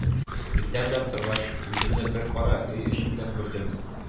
Иртә белән торгач, үземне бер кара өй эчендә күрдем